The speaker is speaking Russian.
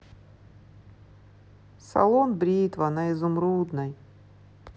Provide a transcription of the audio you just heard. салон бритва на изумрудной